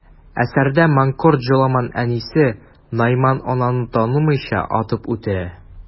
Әсәрдә манкорт Җоламан әнисе Найман ананы танымыйча, атып үтерә.